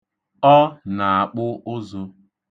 Ọ na-akpu ụzụ.